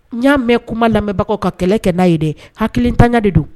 N y'a mɛn kuma lamɛnbagaw ka kɛlɛ kɛ na ye dɛ hakilitanya de don